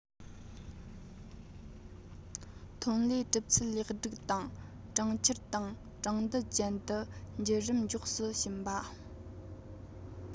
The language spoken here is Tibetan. ཐོན ལས གྲུབ ཚུལ ལེགས སྒྲིག དང གྲོང ཁྱེར དང གྲོང རྡལ ཅན དུ འགྱུར རིམ མགྱོགས སུ ཕྱིན པ